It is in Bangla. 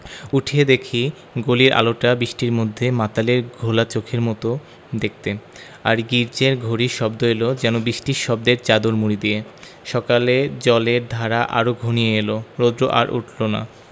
উঠে দেখি গলির আলোটা বৃষ্টির মধ্যে মাতালের ঘোলা চোখের মত দেখতে আর গির্জ্জের ঘড়ির শব্দ এল যেন বৃষ্টির শব্দের চাদর মুড়ি দিয়ে সকালে জলের ধারা আরো ঘনিয়ে এল রোদ্র আর উঠল না